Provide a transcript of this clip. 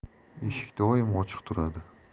eshik doim ochiq turadi